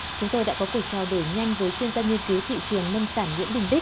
chúng tôi đã có cuộc trao đổi nhanh với chuyên gia nghiên cứu thị trường nông sản nguyễn đình bích